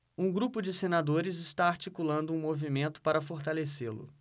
um grupo de senadores está articulando um movimento para fortalecê-lo